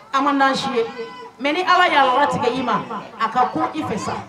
A man di an si ye mais ni Ala y'a latigɛ i ma, a ka ku i fɛ sa.